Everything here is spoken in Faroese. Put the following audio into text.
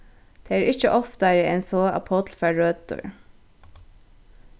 tað er ikki oftari enn so at páll fær røtur